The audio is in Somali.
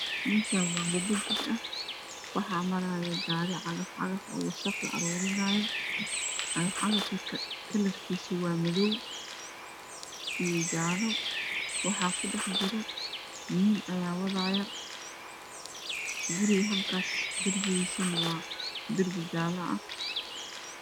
Meshani waa wado jid ah waxaa maraya gari cagafcagaf ah wasaqda aruurinaya kalr kiisu aaa madow iyo jaalo wax ku dhex jira nin wadaya gurigas derbiguusi waa jalo